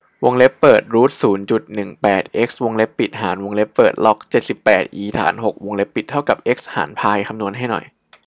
วงเล็บเปิดรูทศูนย์จุดหนึ่งหนึ่งแปดเอ็กซ์วงเล็บปิดหารวงเล็บเปิดล็อกเจ็ดสิบแปดอีฐานหกวงเล็บปิดเท่ากับเอ็กซ์หารพายคำนวณให้หน่อย